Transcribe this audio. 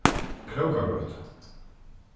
krókagøta